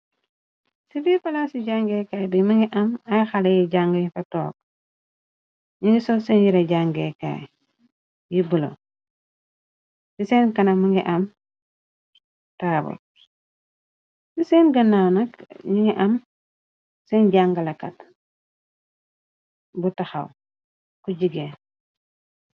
Ci birr palas ci jàngeekaay bi mëngi am ay xaleyi jàng yu fa tok, ñu ngi sol sen yire jangeekaay yi bulo. Ci sen kanam mun ngi am taabul, ci sen gannaaw nak mun ngi am sen jàngalakat bu taxaw, ku jigeen.